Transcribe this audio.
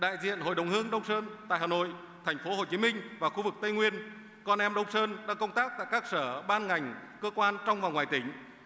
đại diện hội đồng hương đông sơn tại hà nội thành phố hồ chí minh và khu vực tây nguyên con em đông sơn đang công tác tại các sở ban ngành cơ quan trong và ngoài tỉnh